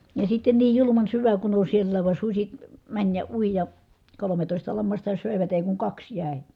ja sitten niin julman syvä kun on siellä vaan susi meni ja ui ja kolmetoista lammasta söivät ei kuin kaksi jäi